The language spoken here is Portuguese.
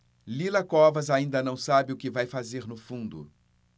lila covas ainda não sabe o que vai fazer no fundo